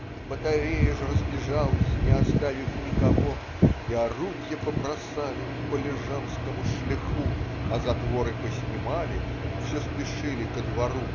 Батарея ж разбежалась Не оставив никого И орудья побросали По Лежанскому шляху А затворы поснимали Все спешили ко двору.